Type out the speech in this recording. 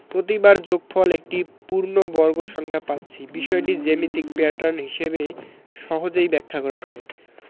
প্রতিবার যোগফল একটি পূর্ণবর্গ সংখ্যা পাচ্ছি বিষয়টি জ্যামিতিক প্যাটার্ন হিসেবে সহজেই ব্যাখ্যা করা যায়